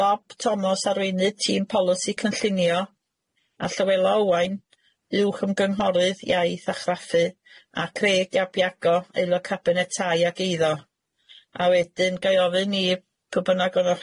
Bob Thomas arweinydd tîm polisi cynllunio a Llywelo Owain uwchymgynghorydd iaith a chraffu a Craig Ap Iago aelod cabinet tai ag eiddo a wedyn ga'i ofyn i pw bynnag oddoch